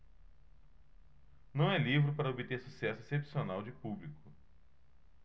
não é livro para obter sucesso excepcional de público